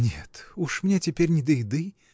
— Нет: уж мне теперь не до еды!